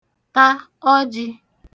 ta ọjị̄